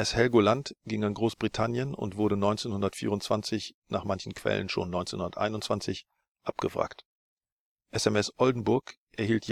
Helgoland an Großbritannien, 1924 (nach anderen Quellen 1921) abgewrackt SMS Oldenburg an Japan